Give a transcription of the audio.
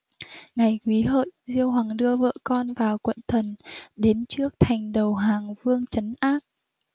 ngày quý hợi diêu hoằng đưa vợ con và quận thần đến trước thành đầu hàng vương trấn ác